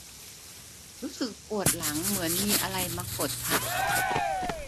รู้สึกปวดหลังเหมือนมีอะไรมากดทับ